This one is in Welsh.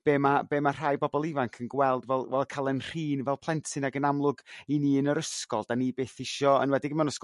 be ma' be ma' rhai bobl ifanc yn gweld fel wel cael ein rhin fel plentyn ag yn amlwg i ni yn yr ysgol dan ni byth isio enwedig mewn ysgol